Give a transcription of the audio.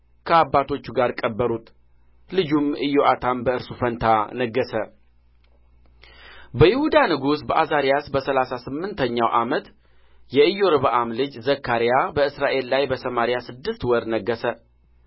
ከአባቶቹ ጋር ቀበሩት ልጁም ኢዮአታም በእርሱ ፋንታ ነገሠ በይሁዳ ንጉሥ በዓዛርያስ በሠላሳ ስምንተኛው ዓመት የኢዮርብዓም ልጅ ዘካርያስ በእስራኤል ላይ በሰማርያ ስድስት ወር ነገሠ